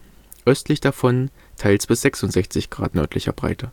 davon teils bis 66°N. Hier